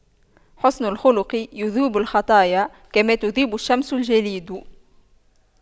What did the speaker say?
حُسْنُ الخلق يذيب الخطايا كما تذيب الشمس الجليد